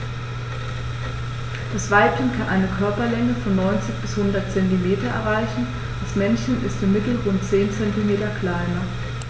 Das Weibchen kann eine Körperlänge von 90-100 cm erreichen; das Männchen ist im Mittel rund 10 cm kleiner.